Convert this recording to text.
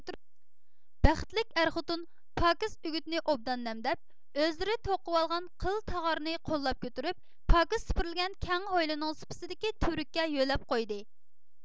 بەختلىك ئەر خوتۇن پاكىز ئۈگۈتنى ئوبدان نەمدەپ ئۆزلىرى توقۇۋالغان قىل تاغارنى قوللاپ كۆتۈرۈپ پاكىز سۈپۈرۈلگەن كەڭ ھويلىنىڭ سۇپىسىدىكى تۈۋرۈككە يۆلەپ قويدى